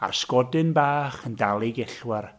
a'r sgodyn bach yn dal i gellwair.